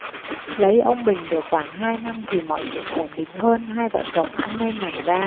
lấy ông bình được khoảng hai năm thì mọi chuyện ổn định hơn hai vợ chồng ăn nên làm ra